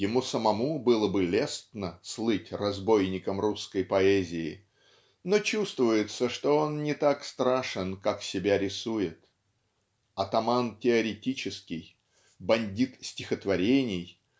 ему самому было бы лестно слыть разбойником русской поэзии но чувствуется что он не так страшен как себя рисует. Атаман теоретический бандит стихотворений